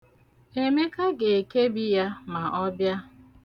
Emeka ga-ekebi ya ma ọ bịa.